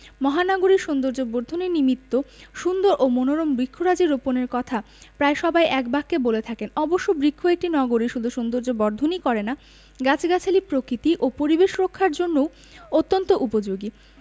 মহানগরীর সৌন্দর্যবর্ধনের নিমিত্ত সুন্দর ও মনোরম বৃক্ষরাজি রোপণের কথা প্রায় সবাই একবাক্যে বলে থাকেন অবশ্য বৃক্ষ একটি নগরীর শুধু সৌন্দর্যবর্ধনই করে না গাছগাছালি প্রকৃতি ও পরিবেশ রক্ষার জন্যও অত্যন্ত উপযোগী